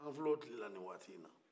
a fil'o tile la nin waati in na